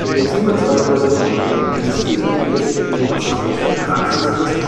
Dezember 2009 ließ BMW den Wasserstoff-Praxistest